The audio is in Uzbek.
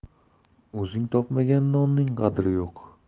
o'zing topmagan molning qadri yo'q